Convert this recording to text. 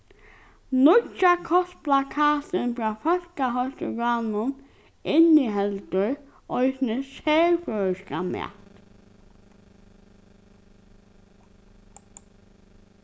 nýggja kostplakatin frá fólkaheilsuráðnum inniheldur eisini serføroyskan mat